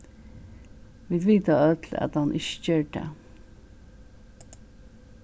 vit vita øll at hann ikki ger tað